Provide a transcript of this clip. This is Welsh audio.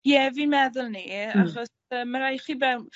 Ie fi'n meddwl 'ny. Hmm. Achos yy ma' rai' chi fewn,